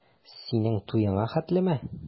Синең туеңа хәтлеме?